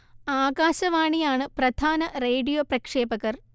ആകാശവാണി ആണ് പ്രധാന റേഡിയോ പ്രക്ഷേപകർ